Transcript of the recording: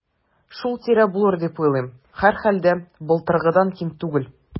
Шул тирә булыр дип уйлыйм, һәрхәлдә, былтыргыдан ким түгел.